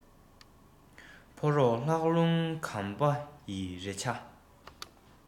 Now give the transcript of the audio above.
ཕོ རོག ལྷགས རླུང འགམ པ ཡི རེ འཕྱ